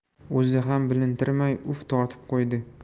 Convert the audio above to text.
o'zi ham bilintirmay uf tortib qo'ydi